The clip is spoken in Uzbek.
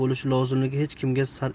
bo'lishi lozimligi hech kimga sir emas